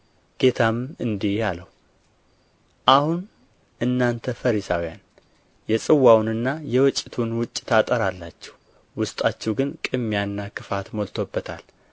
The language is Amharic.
ጌታም እንዲህ አለው አሁን እናንተ ፈሪሳውያን የጽዋውንና የወጭቱን ውጭ ታጠራላችሁ ውስጣችሁ ግን ቅሚያና ክፋት ሞልቶበታል